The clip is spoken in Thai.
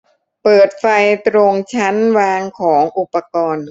เปิดไฟตรงชั้นวางของอุปกรณ์